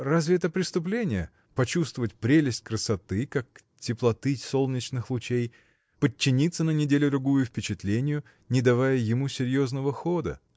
Разве это преступление — почувствовать прелесть красоты, как теплоты солнечных лучей, подчиниться на неделю-другую впечатлению, не давая ему серьезного хода?.